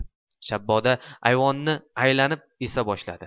shabboda ayvonni aylanib esa boshladi